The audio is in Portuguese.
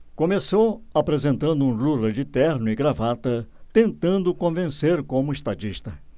começou apresentando um lula de terno e gravata tentando convencer como estadista